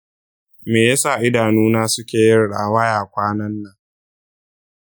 me yasa idanuna suke yin rawaya kwanan nan?